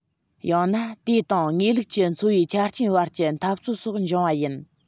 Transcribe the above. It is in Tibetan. ཡང ན དེ དང དངོས ལུགས ཀྱི འཚོ བའི ཆ རྐྱེན བར གྱི འཐབ རྩོད སོགས འབྱུང བ ཡིན